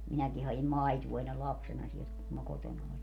minäkin hain maitoa ennen lapsena sieltä kun minä kotona olin